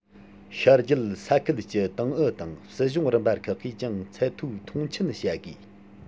ཤར རྒྱུད ས ཁུལ གྱི ཏང ཨུ དང སྲིད གཞུང རིམ པ ཁག གིས ཀྱང ཚད མཐོའི མཐོང ཆེན བྱ དགོས